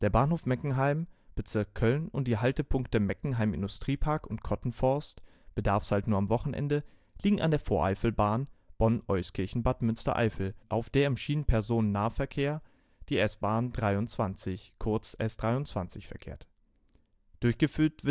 Bahnhof Meckenheim (Bz Köln) und die Haltepunkte Meckenheim Industriepark und Kottenforst (Bedarfshalt nur am Wochenende) liegen an der Voreifelbahn (KBS 475) Bonn-Euskirchen-Bad Münstereifel, auf der im Schienenpersonennahverkehr (SPNV) die RegionalBahn 23 verkehrt. Durchgeführt